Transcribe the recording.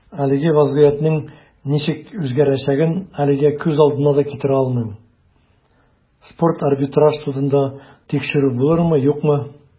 Әлеге вәзгыятьнең ничек үзгәрәчәген әлегә күз алдына да китерә алмыйм - спорт арбитраж судында тикшерү булырмы, юкмы.